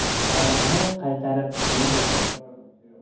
vaqtni qaytarib bo'lmaydi